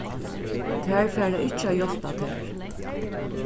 tær fara ikki at hjálpa tær